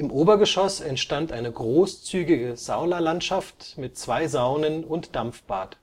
Obergeschoss entstand eine großzügige Saunalandschaft mit zwei Saunen und Dampfbad